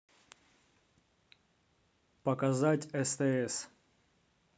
показать стс